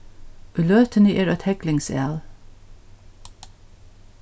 í løtuni er eitt heglingsæl